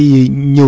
*